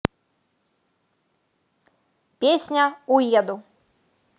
песня уеду